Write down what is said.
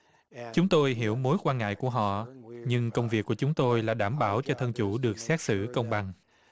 chúng tôi hiểu mối quan ngại của họ nhưng công việc của chúng tôi là đảm bảo cho thân chủ được xét xử công bằng